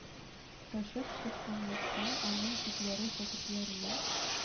Ташып чыкканлыктан, аның читләре шәкертләрнең